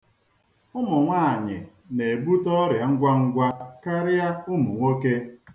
Ụmụnwaanyị na-ebute ọrịa ngwangwa karịa ụmụnwoke.